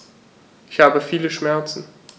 Ich habe viele Schmerzen.